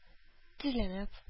Тезләнеп